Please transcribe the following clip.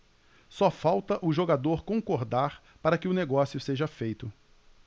só falta o jogador concordar para que o negócio seja feito